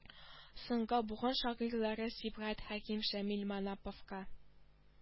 Соңгы буын шагыйрьләре сибгат хәким шамил маннаповка